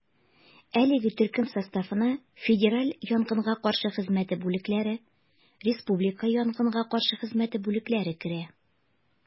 Әлеге төркем составына федераль янгынга каршы хезмәте бүлекләре, республика янгынга каршы хезмәте бүлекләре керә.